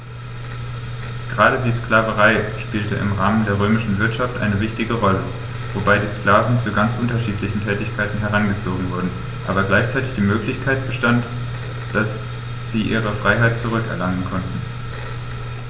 Gerade die Sklaverei spielte im Rahmen der römischen Wirtschaft eine wichtige Rolle, wobei die Sklaven zu ganz unterschiedlichen Tätigkeiten herangezogen wurden, aber gleichzeitig die Möglichkeit bestand, dass sie ihre Freiheit zurück erlangen konnten.